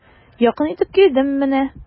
Якын итеп килдем менә.